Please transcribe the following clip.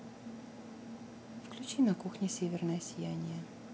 включи на кухне северное сияние